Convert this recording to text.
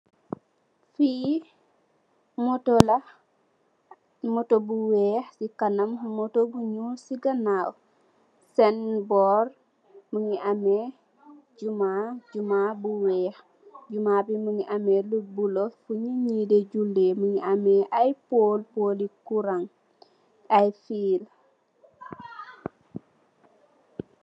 Fii moto la moto bu weex ci kanam moto bu ñuul ci gannaw, seen boor mungi ame jumma bu weex, jumma bi mungi ame lu bulo fu nit yidi julle, mungi ame ay poll poll li kurang ay fiil.